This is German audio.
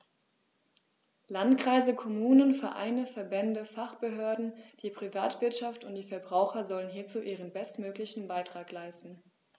Landkreise, Kommunen, Vereine, Verbände, Fachbehörden, die Privatwirtschaft und die Verbraucher sollen hierzu ihren bestmöglichen Beitrag leisten.